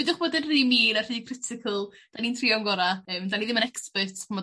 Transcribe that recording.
Peidiwch bod yn rhy mean a rhy critical 'dan ni'n trio'n gora' yym 'dan ni ddim yn experts ch'mod?